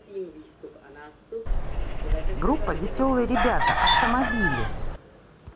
группа веселые ребята автомобили